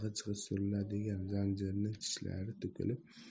g'ij g'ij suriladigan zanjirining tishlari to'kilib